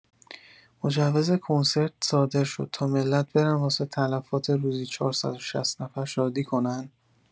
مجوز کنسرت صادر شد تا ملت برن واسه تلفات روزی ۴۶۰ نفر شادی کنن؟